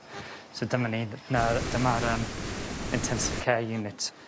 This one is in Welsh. So dyma ni nawr dyma'r ymm intensive care unit.